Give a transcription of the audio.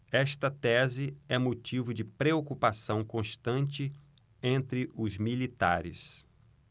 esta tese é motivo de preocupação constante entre os militares